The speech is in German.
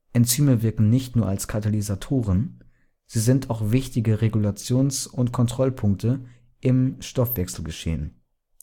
Enzyme wirken nicht nur als Katalysatoren, sie sind auch wichtige Regulations - und Kontrollpunkte im Stoffwechselgeschehen. Die